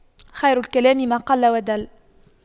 خير الكلام ما قل ودل